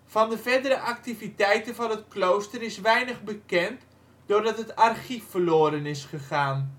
Van de verdere activiteiten van het klooster is weinig bekend doordat het archief verloren is gegaan